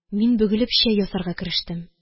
Мин бөгелеп чәй ясарга керештем.